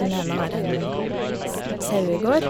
Hun ene har en sn sauegård.